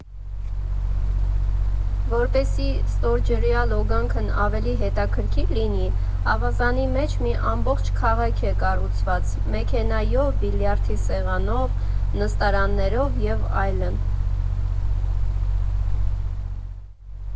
Որպեսզի ստորջրյա լոգանքն ավելի հետաքրքիր լինի, ավազանի մեջ մի ամբողջ քաղաք է կառուցված՝ մեքենայով, բիլիարդի սեղանով, նստարաններով և այլն։